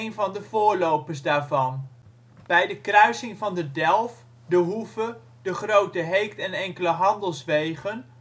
van de voorlopers daarvan. Bij de kruising van de Delf, de Groeve, de Groote Heekt en enkele handelswegen